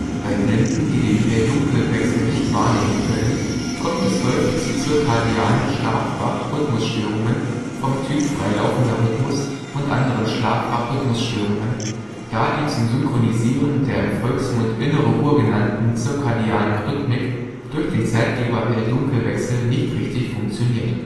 Bei Blinden, die den Hell-Dunkel-Wechsel nicht wahrnehmen können, kommt es häufig zu Zirkadianen Schlaf-Wach-Rhythmusstörungen vom Typ freilaufender Rhythmus und anderen Schlaf-Wach-Rhythmusstörungen, da die zum Synchronisieren der im Volksmund „ innere Uhr “genannten Circadianen Rhythmik durch den Zeitgeber Hell-Dunkel-Wechsel nicht richtig funktioniert